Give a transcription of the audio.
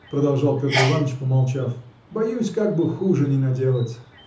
– продолжал Петр Иваныч, помолчав, – боюсь, как бы хуже не наделать.